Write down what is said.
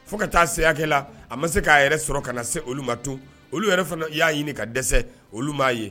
Fo ka taa sekɛla la a ma se k' yɛrɛ sɔrɔ ka na se olu ma tun olu yɛrɛ fana i y'a ɲini ka dɛsɛ olu ma'a ye